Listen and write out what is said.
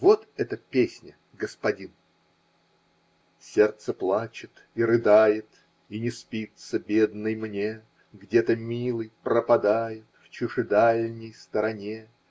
Вот эта песня, господин: "Сердце плачет и рыдает, И не спится бедной мне: Где то милый пропадает В чужедальней стороне.